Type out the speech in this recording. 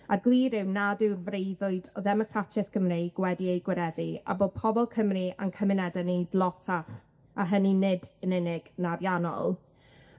a'r gwir yw nad yw'r freuddwyd o ddemocratieth Cymreig wedi ei gwireddu, a bod pobol Cymru a'n cymunede ni'n dlotach, a hynny nid yn unig yn ariannol.